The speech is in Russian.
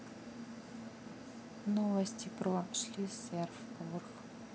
новости про шлисербург